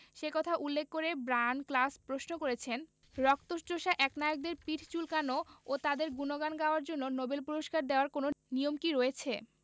সে কথা উল্লেখ করে ব্রায়ান ক্লাস প্রশ্ন করেছেন রক্তচোষা একনায়কদের পিঠ চুলকানো ও তাঁদের গুণগান গাওয়ার জন্য নোবেল পুরস্কার দেওয়ার কোনো নিয়ম কি রয়েছে